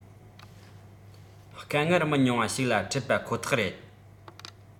དཀའ ངལ མི ཉུང བ ཞིག ལ འཕྲད པ ཁོ ཐག རེད